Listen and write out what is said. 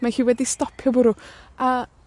Mae hi wedi stopio bwrw. A